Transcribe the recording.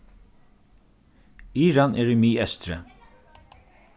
iran er í miðeystri